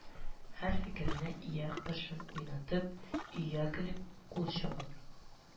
Һәр фикеренә йә кашын уйнатып, йә көлеп, кул чабып,